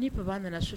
Ni papa nana su